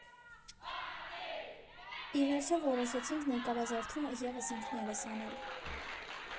«Ի վերջո որոշեցինք նկարազարդումը ևս ինքներս անել։